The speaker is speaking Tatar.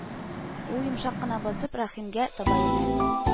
Ул, йомшак кына басып, Рәхимгә таба юнәлде